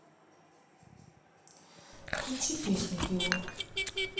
включи песню диор